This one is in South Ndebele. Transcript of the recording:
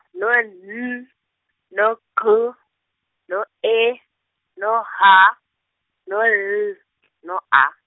no N, no G, no E, no H, no L , no A.